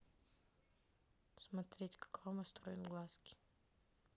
смотреть как рома строит глазки